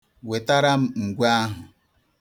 Wetara m ngwe ahụ.